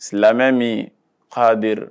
Silamɛ min h bɛ